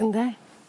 Yndi.